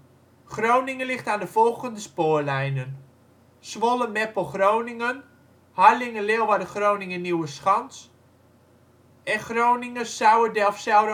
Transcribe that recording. Groningen ligt aan de volgende spoorlijnen: Zwolle - Meppel - Groningen Harlingen - Leeuwarden - Groningen - Nieuweschans Groningen - Sauwerd - Delfzijl